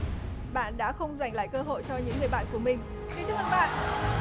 bạn đã không giành lại cơ hội cho những người bạn của mình xin chúc mừng bạn